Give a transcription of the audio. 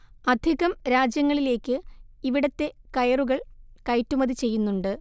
അധികം രാജ്യങ്ങളിലേക്ക് ഇവിടത്തെ കയറുകൾ കയറ്റുമതി ചെയ്യുന്നുണ്ട്